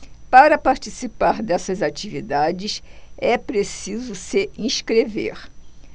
para participar dessas atividades é preciso se inscrever